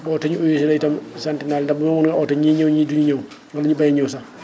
boo ootee ñu uyu si la itam sant naa leen ndax bu ma mënoon a ootee ñi ñëw ñii duñu ñëw wala ñu bañ a ñëw sax